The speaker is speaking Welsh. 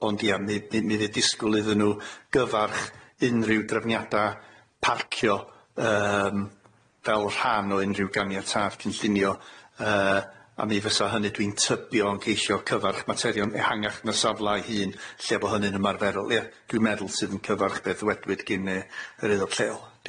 Ond ia mi- mi- mi- fe disgwl iddyn nw gyfarch unrhyw drefniada parcio yym fel rhan o unrhyw ganiatad cynllunio yy a mi fysa hynny dwi'n tybio yn ceisho cyfarch materion ehangach yn y safla 'i hun lle bo' hynny'n ymarferol ia dwi'n meddwl sydd yn cyfarch beth ddwedwyd gyn yy yr aelod lleol.